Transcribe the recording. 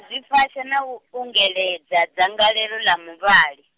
zwifasha na u, ungeledza dzangalelo ḽa muvhali.